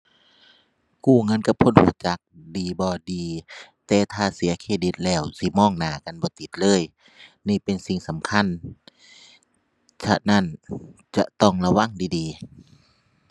กู้เงินกับคนรู้จักดีบ่ ดี แต่ถ้าเสียเครดิตแล้ว สิมองหน้ากันบ่ติดเลย นี่เป็นสิ่งสำคัญ ฉะนั้นจะต้องระวังดีดี